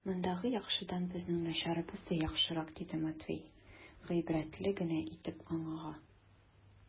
Мондагы яхшыдан безнең начарыбыз да яхшырак, - диде Матвей гыйбрәтле генә итеп Аннага.